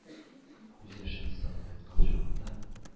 Күз яшен сыгып яткан чагында,